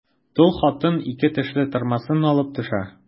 Тол хатын ике тешле тырмасын алып төшә.